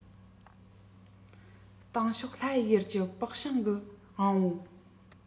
སྟེང ཕྱོགས ལྷ ཡི ཡུལ གྱི དཔག བསམ ཤིང གི དབང པོ